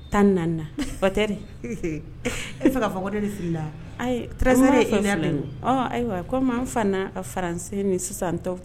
Tan e ayiwa an faransen sisan